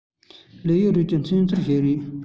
ལིའུ ཡུས རུས ཀྱི མཚོན ཚུལ ཞིག རེད